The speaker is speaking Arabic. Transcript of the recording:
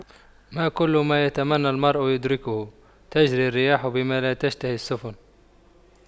ما كل ما يتمنى المرء يدركه تجرى الرياح بما لا تشتهي السفن